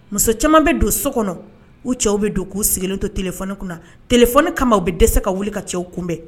Muso caman bɛ don so kɔnɔ u cɛw bɛ don k'u sigilen to tf kunna t- kama u bɛ dɛsɛse ka wuli ka cɛw kunbɛn